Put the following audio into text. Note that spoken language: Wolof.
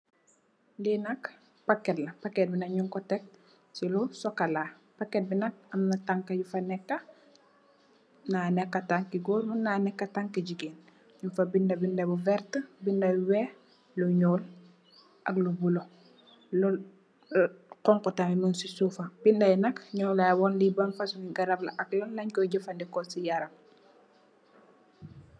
Lee nak packet la packet be nugku tek se lu sokola packet be nak amna tanka yufa neka mun na neka tanke goor mun na neka tanke jegain nyungfa binda binda yu verte beda yu weex lu nuul ak yu bulo lol ah xonxo tamin nyung se sufam binda ye nak nula wan le ban fosunge garab la ak naka lenku jefaneku se yaram.